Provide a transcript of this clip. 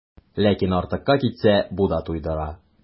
Ләкин артыкка китсә, бу да туйдыра.